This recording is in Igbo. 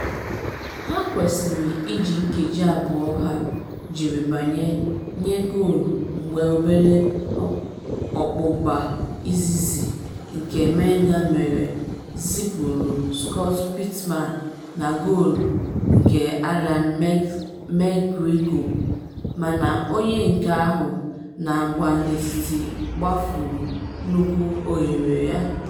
Ha kwesịrị iji nkeji abụọ ha jiri banye nye goolu mgbe obere ọkpụkpa izizi nke Menga mere zipuru Scott Pittman na goolu nke Allan McGrego, mana onye nke ahụ na-agba n’etiti gbafuru nnukwu oghere ya.